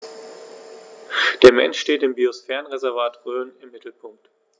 Der Mensch steht im Biosphärenreservat Rhön im Mittelpunkt.